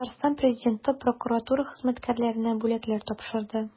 Татарстан Президенты прокуратура хезмәткәрләренә бүләкләр тапшырды.